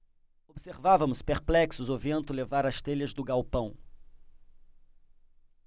observávamos perplexos o vento levar as telhas do galpão